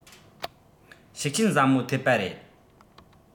ཤུགས རྐྱེན ཟབ མོ ཐེབས པ རེད